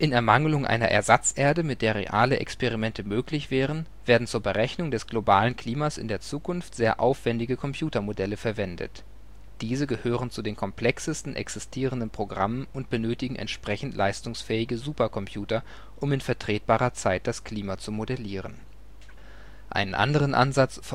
Ermangelung einer Ersatzerde, mit der reale Experimente möglich wären, werden zur Berechnung des globalen Klimas in der Zukunft sehr aufwändige Computermodelle verwendet. Diese gehören zu den komplexesten existierenden Programmen und benötigen entsprechend leistungsfähige Supercomputer, um in vertretbarer Zeit das Klima zu modellieren. Einen anderen Ansatz